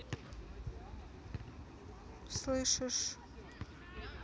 слышишь